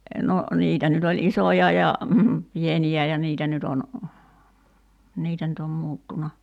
no niitä nyt oli isoja ja pieniä ja niitä nyt on niitä nyt on muuttunut